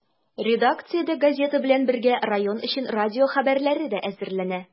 Редакциядә, газета белән бергә, район өчен радио хәбәрләре дә әзерләнә.